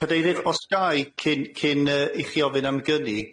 Cadeirydd, os ga i, cyn cyn yy i chi ofyn am gynnig,